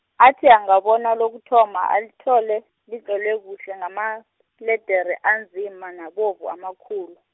athi angabona lokuthoma alithole, litlolwe kuhle ngamaledere anzima nabovu amakhulu.